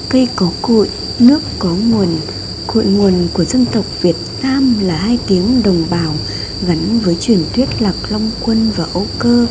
cây có cội nước có nguồn cội nguồn của dân tộc việt nam là hai tiếng đồng bào gắn với truyền thuyết lạc long quân và âu cơ